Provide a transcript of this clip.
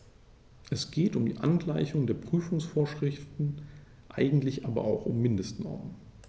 Es geht um die Angleichung der Prüfungsvorschriften, eigentlich aber auch um Mindestnormen.